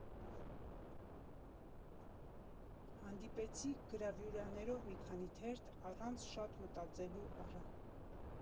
Հանդիպեցի գրավյուրաներով մի քանի թերթ, առանց շատ մտածելու առա։